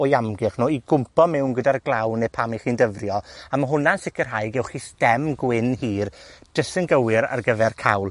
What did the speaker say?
o'u amgylch nw i gwmpo mewn gyda'r glaw, neu pan 'ych chi'n dyfrio, a ma' hwnna'n sicirhau gewch chi sdem gwyn hir, jyst yn gywir ar gyfer cawl.